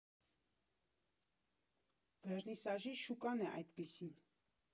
Վերնիսաժի շուկան է այդպիսին։